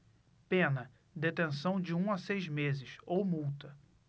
pena detenção de um a seis meses ou multa